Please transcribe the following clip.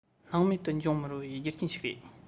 སྣང མེད དུ འཇོག མི རུང བའི རྒྱུ རྐྱེན ཞིག རེད